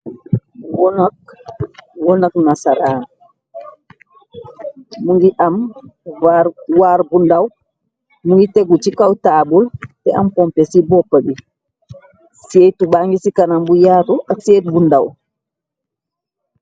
Wohnak, wohnak nahsaran, mungy am baarr, waare bu ndaw, mungy tehgu chi kaw taabul teh am pompeh cii bopa bii, sehtu bangy cii kanam bu yaatu ak sehtu bu ndaw.